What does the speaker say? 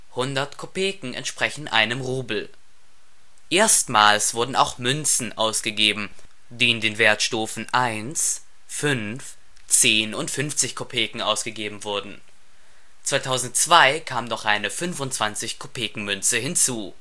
100 Kopeken entsprechen einem Rubel. Erstmals wurden auch Münzen ausgegeben, die in den Wertstufen 1, 5, 10 und 50 Kopeken ausgegeben wurden. 2002 kam noch eine 25-Kopeken-Münze hinzu